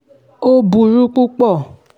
Ó burú púpọ̀